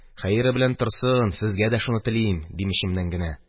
«хәере белән торсын, сезгә дә шуны телим», – дим эчемнән генә.